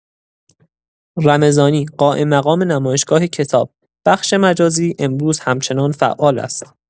رمضانی، قائم‌مقام نمایشگاه کتاب: بخش مجازی، امروز همچنان فعال است.